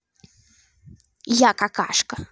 я какашка